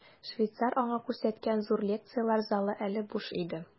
Швейцар аңа күрсәткән зур лекцияләр залы әле буш иде.